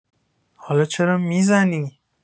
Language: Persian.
حالا چرا می‌زنی؟